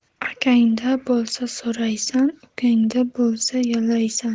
akangda bo'lsa so'raysan uyingda bo'lsa yalaysan